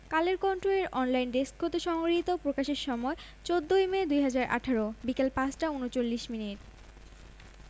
চলচ্চিত্রের বিভিন্ন চরিত্রে অভিনয় করেছেন শিমুল খান জয়িতা মাহলানোবিশ সাজু আহমেদ নীলা পাপিয়া সাদিয়া প্রমুখ অনিক কান্তি সরকারের চিত্রনাট্যে চিত্রগ্রহণ করেছেন ফরহাদ হোসেন